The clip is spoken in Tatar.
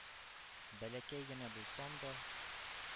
Бәләкәй генә булсам да,